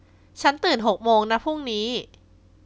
ฉันตื่นหกโมงนะพรุ่งนี้